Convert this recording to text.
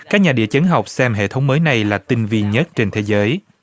các nhà địa chấn học xem hệ thống mới này là tinh vi nhất trên thế giới